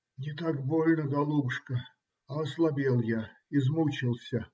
- Не так больно, голубушка, а ослабел я, измучился.